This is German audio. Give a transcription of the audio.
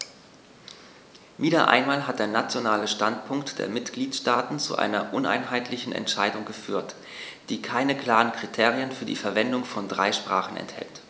Wieder einmal hat der nationale Standpunkt der Mitgliedsstaaten zu einer uneinheitlichen Entscheidung geführt, die keine klaren Kriterien für die Verwendung von drei Sprachen enthält.